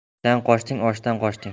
ishdan qochding oshdan qochding